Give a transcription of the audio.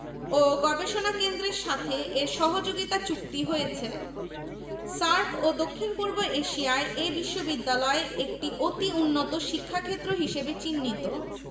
ও গবেষণা কেন্দ্রের সাথে এর সহযোগিতা চুক্তি হয়েছে সার্ক ও দক্ষিণ পূর্ব এশিয়ায় এ বিশ্ববিদ্যালয় একটি অতি উন্নত শিক্ষাক্ষেত্র হিসেবে চিহ্নিত